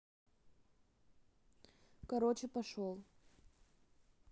короче пошел